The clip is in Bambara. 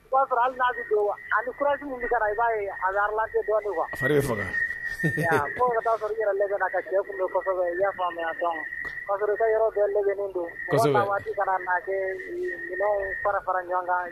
Ani'a ka taa ka cɛ ia don kana fara fara ɲɔgɔn kan